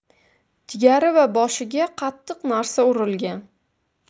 jigari va boshiga qattiq narsa urilgan